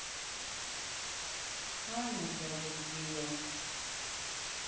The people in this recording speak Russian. аня зовут ее